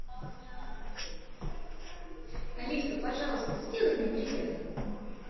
алиса пожалуйста сделай мне привет